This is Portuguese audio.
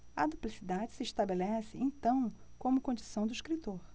a duplicidade se estabelece então como condição do escritor